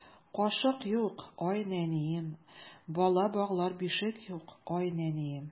Кашык юк, ай нәнием, Бала баглар бишек юк, ай нәнием.